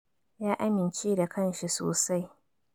"Ya amince da kanshi sosai.